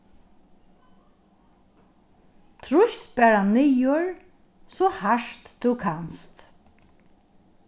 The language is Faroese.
trýst bara niður so hart tú kanst